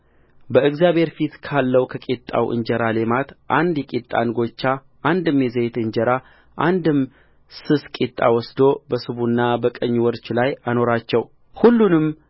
በእግዚአብሔር ፊት ካለው ከቂጣው እንጀራ ሌማት አንድ የቂጣ እንጐቻ አንድም የዘይት እንጀራ አንድም ስስ ቂጣ ወስዶ በስቡና በቀኝ ወርቹ ላይ አኖራቸውሁሉንም